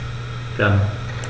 Gerne.